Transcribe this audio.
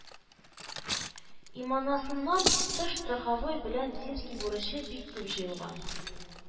Иманасыннан тыш страховой белән зимский бурычы бик күп җыелган